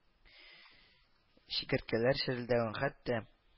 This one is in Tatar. Чикерткәләр черелдәвен, хәтта